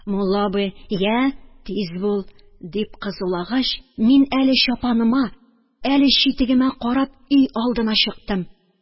Мулла абый: «Йә, тиз бул!» – дип кызулагач, мин, әле чапаныма, әле читегемә карап, өй алдына чыктым.